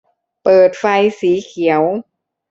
เปิดไฟสีเขียว